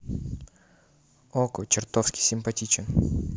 okko чертовски симпатичен